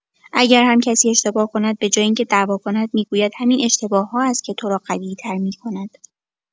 اگر هم کسی اشتباه کند، به‌جای اینکه دعوا کند، می‌گوید همین اشتباه‌ها است که تو را قوی‌تر می‌کند.